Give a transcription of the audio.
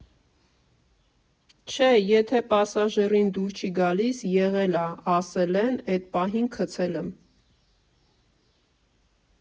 Չէ, եթե պասաժիրին դուր չի գալիս, եղել ա՝ ասել են, էդ պահին գցել եմ։